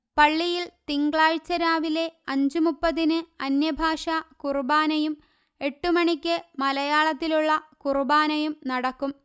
പള്ളിയിൽ തിങ്കളാഴ്ച രാവിലെ അഞ്ച് മുപ്പതിന് അന്യ ഭാഷാ കുർബാനയും എട്ടുമണിക്ക് മലയാളത്തിലുള്ള കുർബാനയും നടക്കും